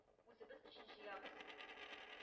Үзебез өчен җыябыз.